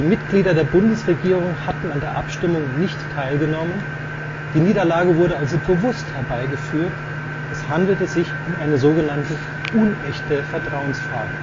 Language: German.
Mitglieder der Bundesregierung hatten an der Abstimmung nicht teilgenommen, die Niederlage wurde also bewusst herbeigeführt, es handelte sich um eine „ unechte Vertrauensfrage